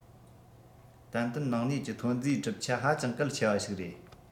ཏན ཏན ནང གནས ཀྱི ཐོན རྫས གྲུབ ཆ ཧ ཅང གལ ཆེ བ ཞིག རེད